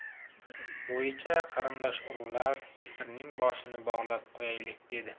bo'yicha qarindosh urug'lar yesirning boshini bog'lab qo'yaylik dedi